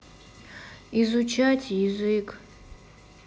изучать язык